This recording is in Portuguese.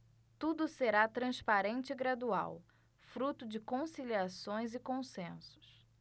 tudo será transparente e gradual fruto de conciliações e consensos